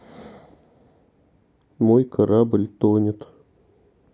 мой корабль тонет